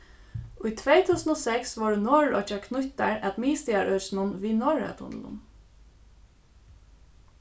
í tvey túsund og seks vóru norðuroyggjar knýttar at miðstaðarøkinum við norðoyatunlinum